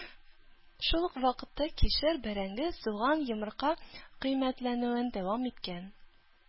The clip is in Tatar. Шул ук вакытта кишер, бәрәңге, суган, йомырка кыйммәтләнүен дәвам иткән.